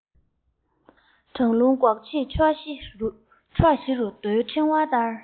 གྲང རླུང འགོག ཆེད ཕྱོགས བཞི རུ རྡོའི ཕྲེང བ བསྟར